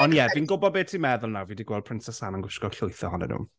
Ond ie fi'n gwybod beth ti'n meddwl nawr. Fi wedi gweld Princess Anne yn gwisgo llwyth ohonyn nhw.